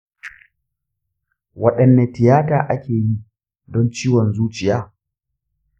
waɗanne tiyata ake yi don ciwon zuciya?